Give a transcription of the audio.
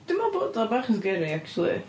Dwi'n meddwl bod o bach yn sgeri acshyli.